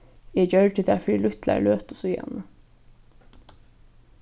eg gjørdi tað fyri lítlari løtu síðani